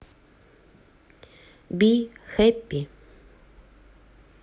би хэппи